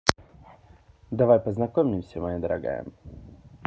давайте познакомимся моя дорогая